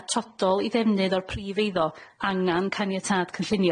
atodol i ddefnydd o'r prif eiddo angan caniatâd cynllunio.